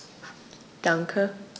Danke.